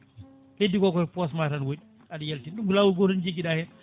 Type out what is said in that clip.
heddi koto poosma tan woni aɗa yaltina ɗum ko lawol gotol tan jigguiɗa hen